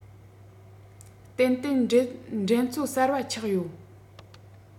ཏན ཏན འགྲན རྩོད གསར པ ཆགས ཡོད